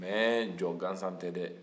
mais jɔ gansan tɛ dɛ